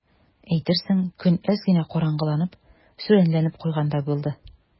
Әйтерсең, көн әз генә караңгыланып, сүрәнләнеп куйгандай булды.